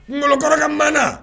Ngolokɔrɔ ka man